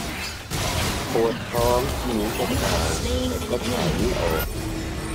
ปวดท้องเหมือนจะถ่ายแต่ก็ถ่ายไม่ออก